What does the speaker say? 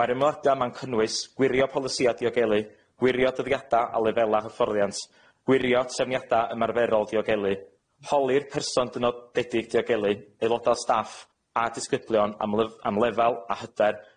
Mae'r ymoliada yma'n cynnwys gwirio polisia diogelu, gwirio dyddiada a lefela hyfforddiant, gwirio trefniada ymarferol diogelu, holi'r person dynodedig diogelu, aeloda o staff a disgyblion am lyf- am lefal a hyder